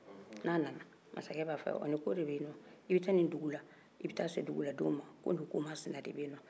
n'a nana masakɛ b'a fɔ ayiwa nin ko de bɛ yen nɔ i bɛ taa nin dugu la i bɛ taa se duguladenw ma ko ni ko masina in de bɛ yen